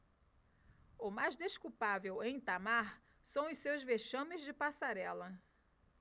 o mais desculpável em itamar são os seus vexames de passarela